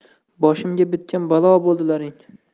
boshimga bitgan balo bo'ldilaring